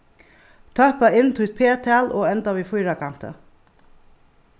tøppa inn títt p-tal og enda við fýrakanti